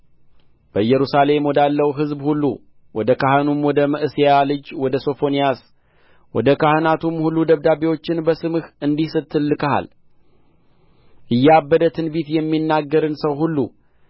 በኢየሩሳሌም ወዳለው ሕዝብ ሁሉ ወደ ካህኑም ወደ መዕሤያ ልጅ ወደ ሶፎንያስ ወደ ካህናቱም ሁሉ ደብዳቤዎችን በስምህ እንዲህ ስትል ልከሃል እያበደ ትንቢት የሚናገርን ሰው ሁሉ